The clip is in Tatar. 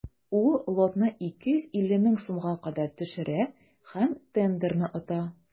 Ул лотны 250 мең сумга кадәр төшерә һәм тендерны ота.